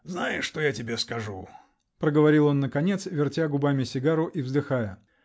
-- Знаешь, что я тебе скажу, -- проговорил он наконец, вертя губами сигару и вздыхая.